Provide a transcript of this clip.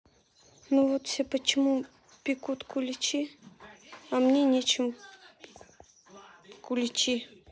ну вот почему все пекут куличи а мы не печем куличи